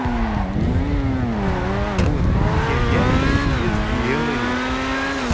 вот я я тебе сделаю